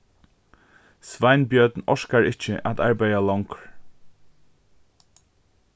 sveinbjørn orkar ikki at arbeiða longur